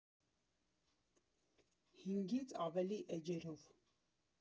Հինգից ավելի էջերով։